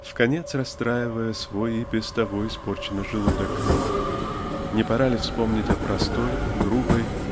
вконец расстраивая свой и без того испорченный желудок не пора ли вспомнить о простой Грубой